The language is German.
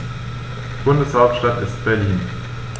Bundeshauptstadt ist Berlin.